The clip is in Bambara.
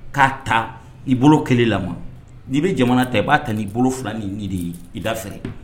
K'a ta i bolo kelen lamɔ n'i bɛ jamana ta i b'a kan n'i bolo fila ni ni de ye i da fɛ